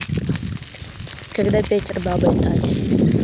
когда петер бабой стать